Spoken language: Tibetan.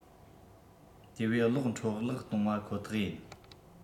དེ བས གློག འཕྲོ བརླག གཏོང བ ཁོ ཐག ཡིན